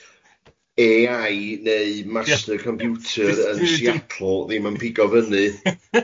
A I neu master computer yn Seattle ddim yn pigo fyny